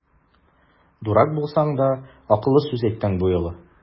Дурак булсаң да, акыллы сүз әйттең бу юлы!